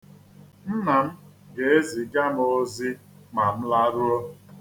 Nna m ga-eziga m ozi ma m laruo.